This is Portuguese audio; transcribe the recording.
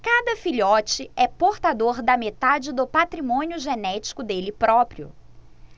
cada filhote é portador da metade do patrimônio genético dele próprio